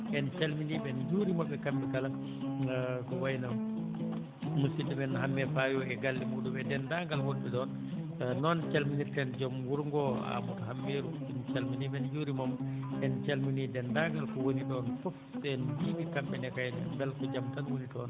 en calminii ɓe en njuuriima ɓe kamɓe kala ko wayi no musidɗo men Hammet Bayo en galle muɗum e denndaangal wonɓe ɗon noon calminirten jom wuro ngoo Amadou Hammet en calminii mo en njuuriima mo en calminii denndaangal ko woni ɗon fof en mbiyii ɓe kamɓene kayne mbela ko jam tan woni toon